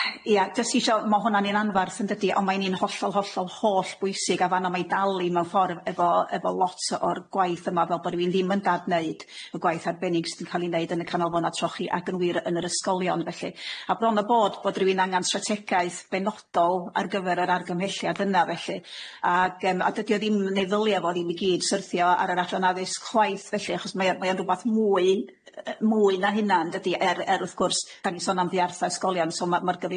Ia jyst isio ma' hwnna'n un anfarth yn dydi ond mae'n un hollol hollol hollbwysig a fan'na ma'i dal hi mewn ffordd efo efo lot o o'r gwaith yma fel bo' rywun ddim yn dad neud y gwaith arbennig sy' 'di ca'l i neud yn y Canolfanna Trochi ac yn wir yn yr ysgolion felly, a bron a bod bod rywun angan strategaeth benodol ar gyfer yr argymhelliad yna felly ag yym a dydi o ddim neu' ddylia fo ddim i gyd syrthio ar yr Adran Addysg chwaith felly achos mae o mae o'n rwbath mwy yy mwy na hynna yn dydi er er wrth gwrs 'dan ni'n sôn am fuartha' ysgolion so so ma'r